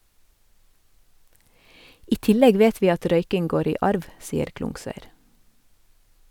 - I tillegg vet vi at røyking går i arv , sier Klungsøyr.